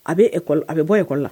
A bɛ a bɛ bɔ e kɔlɔlɔn la